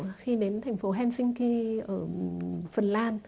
khi đến thành phố hen xinh ki ở phần lan